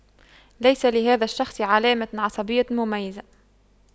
ليس لهذا الشخص علامة عصبية مميزة